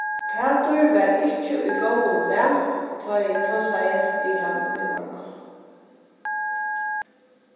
pætur var ikki í góðum lag tá ið eg tosaði við hann í morgun